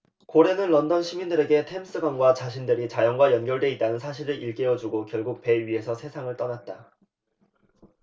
고래는 런던 시민들에게 템스강과 자신들이 자연과 연결돼 있다는 사실을 일깨워주고 결국 배 위에서 세상을 떠났다